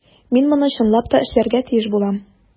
Мин моны чынлап та эшләргә тиеш булам.